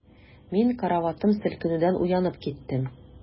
Мин караватым селкенүдән уянып киттем.